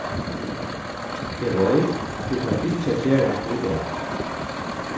eg veit at tú fert ikki at gera hatta í dag